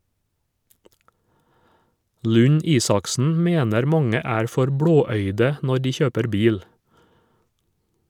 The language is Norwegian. Lund-Isaksen mener mange er for blåøyde når de kjøper bil.